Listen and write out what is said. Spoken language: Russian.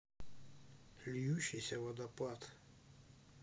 льющийся водопад